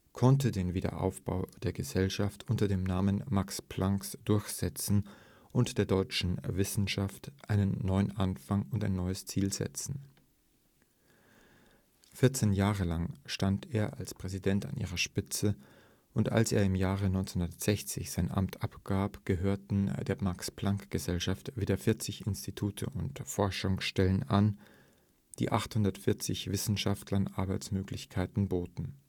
konnte den Wiederaufbau der Gesellschaft unter dem Namen Max Plancks durchsetzen und der deutschen Wissenschaft einen neuen Anfang und ein neues Ziel setzen. […] Vierzehn Jahre lang stand er als Präsident an ihrer Spitze, und als er im Jahre 1960 sein Amt abgab, gehörten der Max-Planck-Gesellschaft wieder 40 Institute und Forschungsstellen an, die 840 Wissenschaftlern Arbeitsmöglichkeiten boten